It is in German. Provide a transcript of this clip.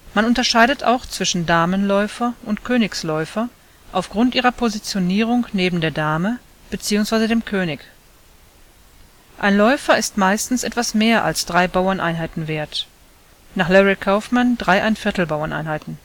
Man unterscheidet auch zwischen Damenläufer und Königsläufer auf Grund ihrer Positionierung neben der Dame bzw. dem König. Ein Läufer ist meistens etwas mehr als drei Bauerneinheiten wert (nach Larry Kaufman 3¼ Bauerneinheiten